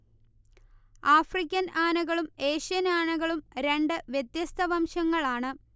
African ആനകളും Asian ആനകളും രണ്ട് വ്യത്യസ്ത വംശങ്ങളാണ്